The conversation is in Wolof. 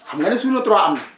xam nga ne Suuna 3 am na